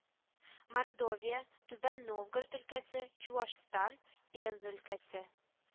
Мордовия, Түбән Новгород өлкәсе, Чуашстан, Пенза өлкәсе